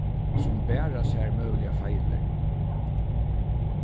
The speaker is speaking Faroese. sum bara sær møguligar feilir